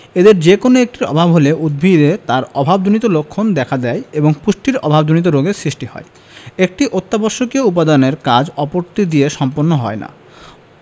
এদের যেকোনো একটির অভাব হলে উদ্ভিদে তার অভাবজনিত লক্ষণ দেখা দেয় এবং পুষ্টির অভাবজনিত রোগের সৃষ্টি হয় একটি অত্যাবশ্যকীয় উপাদানের কাজ অপরটি দিয়ে সম্পন্ন হয় না